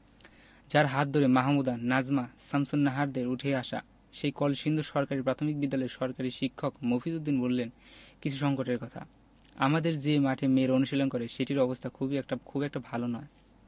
যাঁর হাত ধরে মাহমুদা নাজমা শামসুন্নাহারদের উঠে আসা সেই কলসিন্দুর সরকারি প্রাথমিক বিদ্যালয়ের সহকারী শিক্ষক মফিজ উদ্দিন বললেন কিছু সংকটের কথা আমাদের যে মাঠে মেয়েরা অনুশীলন করে সেটির অবস্থা খুব একটা ভালো নয়